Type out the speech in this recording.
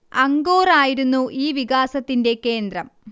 Angkor ആയിരുന്നു ഈ വികാസത്തിന്റെ കേന്ദ്രം